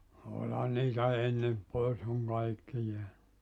olihan niitä ennen pois on kaikki jäänyt